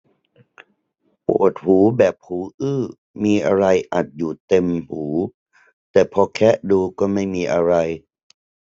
ปวดหูแบบหูอื้อมีอะไรอัดอยู่เต็มหูแต่พอแคะดูก็ไม่มีอะไร